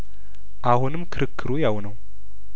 አሁንም ክርክሩ ያው ነው